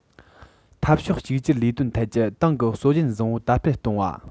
འཐབ ཕྱོགས གཅིག གྱུར ལས དོན ཐད ཀྱི ཏང གི སྲོལ རྒྱུན བཟང པོ དར སྤེལ གཏོང བ